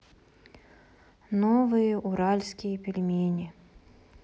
новые уральские пельмени